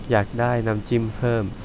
อยากได้น้ำจิ้มเพิ่ม